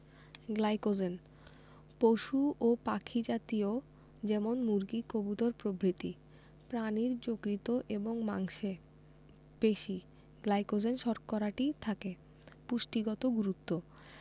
glycogen পশু ও পাখি জাতীয় যেমন মুরগি কবুতর প্রভৃতি প্রাণীর যকৃৎ এবং মাংসে পেশি গ্লাইকোজেন শর্করাটি থাকে পুষ্টিগত গুরুত্ব